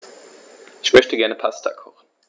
Ich möchte gerne Pasta kochen.